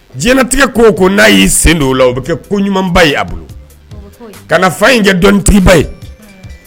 Jiɲɛ latigɛ ko ko n'a y'i sen do o la o bɛ kɛ ko ɲuman ba ye a bolo kana fa in kɛ dɔnnitigiba ye